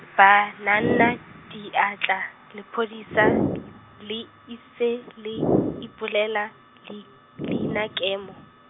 ba naana diatla, lepodisa , le ise le, ipolele, li-, leinakemo.